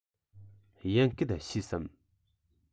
དབྱིན སྐད ཤེས སམ